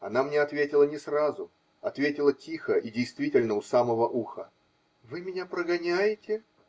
Она мне ответила не сразу, ответила тихо и, действительно, у самого уха. -- Вы меня прогоняете?